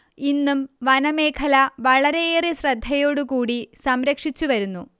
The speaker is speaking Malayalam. ഇന്നും വനമേഖല വളരെയേറെ ശ്രദ്ധയോടുകൂടി സംരക്ഷിച്ചു വരുന്നു